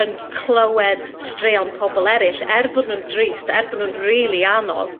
yn clywed straeon pobol eryll, er bod nw'n drist, er bo' nw'n rili anodd